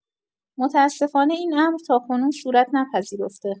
متاسفانه این امر تاکنون صورت نپذیرفته